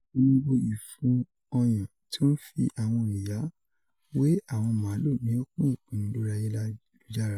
Ipolongo ifun ọyan ti o n fi awọn iya we awọn maalu ni o pin ipinnu lori ayelujara